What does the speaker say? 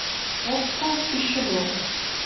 okko пищеблок